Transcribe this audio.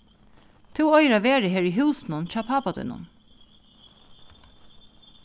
tú eigur at vera her í húsunum hjá pápa tínum